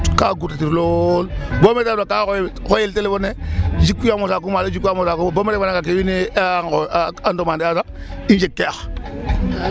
Kaa guutatir lool bo me ta refna ka xoyel téléphone e jikwaam o saaqu maalo jikwaam o saaqu malo bo wiin we a demander a sax i njegkee ax .